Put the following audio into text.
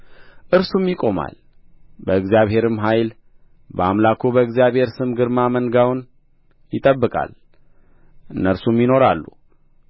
እርሱም ይቆማል በእግዚአብሔርም ኃይል በአምላኩ በእግዚአብሔር ስም ግርማ መንጋውን ይጠብቃል እነርሱም ይኖራሉ